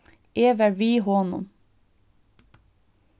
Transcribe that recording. eg var við honum